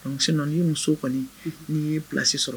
Sinon ni muso kɔni n'i ye i place sɔrɔ